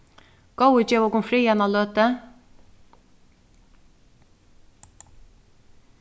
góði gev okum frið eina løtu